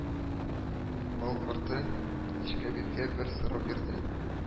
Бал корты нечкәбилгә бер сорау бирде: